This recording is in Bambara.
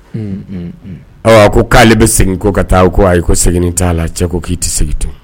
A ko k'ale bɛ segin ko ka taa ko ayi ko segin t'a la cɛ ko k'i tɛ segin tun